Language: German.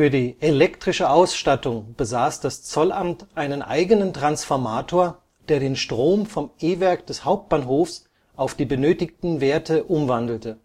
die elektrische Ausstattung besaß das Zollamt einen eigenen Transformator, der den Strom vom E-Werk des Hauptbahnhofs auf die benötigten Werte umwandelte